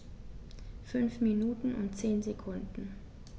5 Minuten und 10 Sekunden